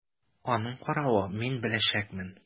Аның каравы, мин беләчәкмен!